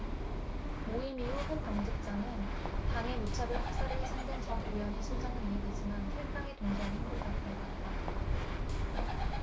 모임 이후 한 당직자는 당의 무차별 학살에 희생된 전 의원의 심정은 이해되지만 탈당에 동조하기 힘들다고 밝혔다